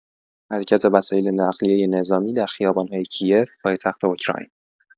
حرکت وسایل نقلیه نظامی در خیابان‌های کی‌یف، پایتخت اوکراین